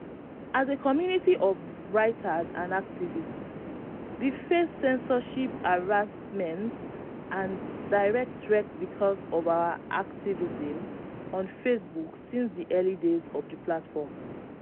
As a community of writers and activists, we’ve faced censorship, harassment and direct threats because of our activism on Facebook since the early days of the platform.